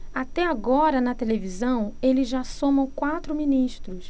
até agora na televisão eles já somam quatro ministros